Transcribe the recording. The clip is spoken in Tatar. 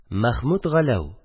Мәхмүт Галәү